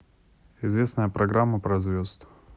известная программа про звезд